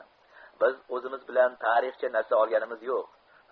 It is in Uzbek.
biz o'zimiz bilan tariqcha narsa olganimiz yo'q